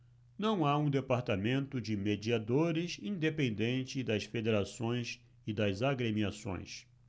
não há um departamento de mediadores independente das federações e das agremiações